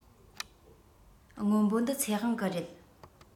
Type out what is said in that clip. སྔོན པོ འདི ཚེ དབང གི རེད